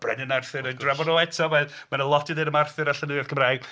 Y brenin Arthur, wna i drafod o eto, mae... mae 'na lot i ddweud am Arthur a llenyddiaeth Cymraeg